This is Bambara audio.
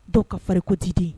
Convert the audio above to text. Dɔw ka farin ko tden